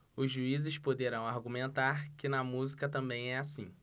os juízes poderão argumentar que na música também é assim